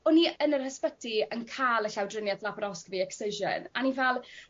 o'n i yn yr ysbyty yn ca'l y llawdrinieth laparoscopy excision a o'n i fal